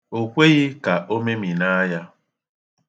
O kweghị ka o meminaa ya.